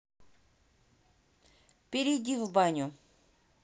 перейди в баню